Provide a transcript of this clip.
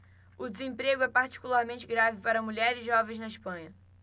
o desemprego é particularmente grave para mulheres jovens na espanha